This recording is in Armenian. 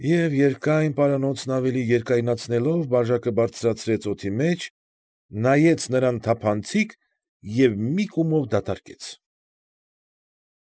Եվ երկայն պարանոցն ավելի երկարացնելով, բաժակը բարձրացրեց օդի մեջ, նայեց նրան թափանցիկ և մի կումով դատարկեց։